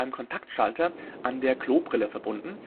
Kontaktschalter an der Klobrille verbunden